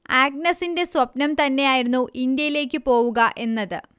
ആഗ്നസിന്റെ സ്വപ്നം തന്നെയായിരുന്നു ഇന്ത്യയിലേക്കു പോവുക എന്നത്